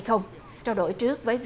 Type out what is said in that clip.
không trao đổi trước với